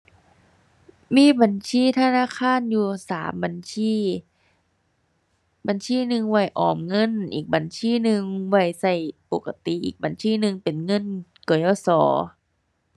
มีบัญชีธนาคารอยู่สามบัญชี บัญชีหนึ่งไว้ออมเงิน อีกบัญชีหนึ่งไว้ใช้ปกติ อีกบัญชีหนึ่งเป็นเงิน กยศ.